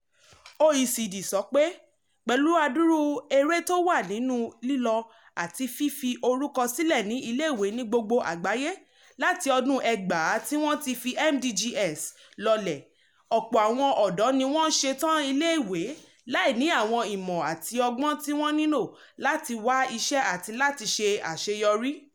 OECD sọ pé, pẹ̀lú adúrú èrè tó wà nínú lílọ àti fífi orúkọ sílẹ̀ sí iléèwé ní gbogbo àgbáyé láti ọdún 2000 tí wọ́n ti fi MDGs lọ́lẹ̀, ọ̀pọ̀ àwọn ọ̀dọ́ ni wọ́n ń ṣetán iléèwé láì ní àwọn ìmọ̀ àti ọgbọ́n tí wọ́n nílò láti wá iṣẹ́ àti lári ṣe àṣeyọrí.